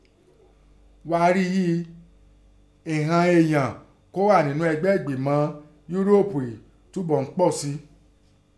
Ọ̀ àá rí i ghíi ìnọn ọ̀ǹyàn kọ́ hà únnú ẹgbẹ́ ẹ̀gbìnmọ Íróòpù ìnín tọ́bọ̀ mín pọ̀ sẹ́ ẹ.